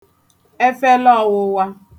efele ọ̄wụ̄wā